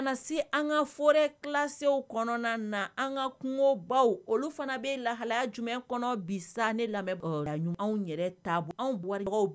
Se an ka forolasew kɔnɔna na an ka kungo baw olu fana bɛ lahalaya jumɛn kɔnɔ bi ni lamɛnbagaw ɲuman anw yɛrɛ taabolo anw